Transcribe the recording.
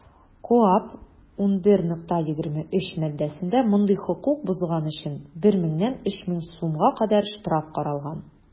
КоАП 11.23 маддәсендә мондый хокук бозган өчен 1 меңнән 3 мең сумга кадәр штраф каралган.